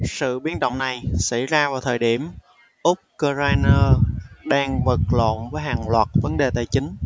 sự biến động này xảy ra vào thời điểm ukraine đang vật lộn với hàng loạt vấn đề tài chính